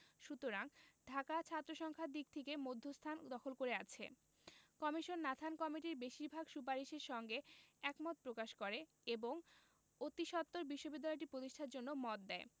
সুতরাং ঢাকা ছাত্রসংখ্যার দিক থেকে মধ্যস্থান দখল করে আছে কমিশন নাথান কমিটির বেশির ভাগ সুপারিশের সঙ্গে একমত পোষণ করে এবং অতিসত্বর বিশ্ববিদ্যালয়টি প্রতিষ্ঠার জন্য মত দেয়